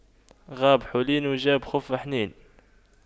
غاب حولين وجاء بِخُفَّيْ حنين